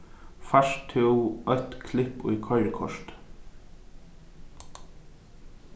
fært tú eitt klipp í koyrikortið